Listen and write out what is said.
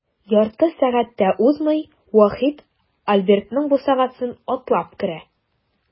Ярты сәгать тә узмый, Вахит Альбертның бусагасын атлап керә.